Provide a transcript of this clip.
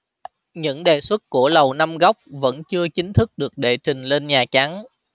những đề xuất của lầu năm góc vẫn chưa chính thức được đệ trình lên nhà trắng